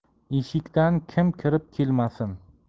eshikdan kim kirib kelmasin